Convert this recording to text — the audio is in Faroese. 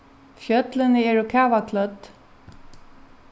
fjøllini eru kavaklødd